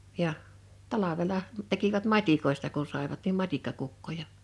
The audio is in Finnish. ja talvella tekivät matikoista kun saivat niin matikkakukkoja